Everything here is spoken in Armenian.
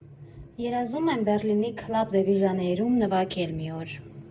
Երազում եմ Բեռլինի Քլաբ դե Վիժանեյրում նվագել մի օր։